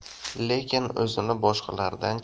lekin o'zini boshqalardan